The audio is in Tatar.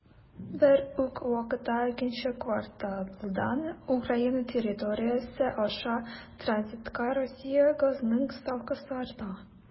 Бер үк вакытта икенче кварталдан Украина территориясе аша транзитка Россия газының ставкасы арта.